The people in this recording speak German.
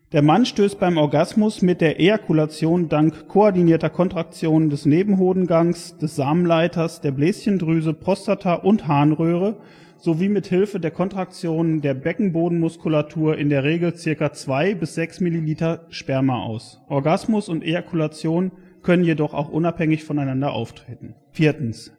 Der Mann stößt beim Orgasmus mit der Ejakulation dank koordinierter Kontraktionen des Nebenhodengangs, des Samenleiters, der Bläschendrüse, Prostata und Harnröhre sowie mithilfe der Kontraktionen der Beckenbodenmuskulatur in der Regel ca. 2 bis 6 ml Sperma aus. Orgasmus und Ejakulation können jedoch auch unabhängig voneinander auftreten. Die letzte